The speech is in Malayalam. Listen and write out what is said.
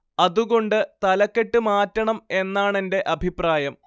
അതുകൊണ്ട് തലക്കെട്ട് മാറ്റണം എന്നാണെന്റെ അഭിപ്രായം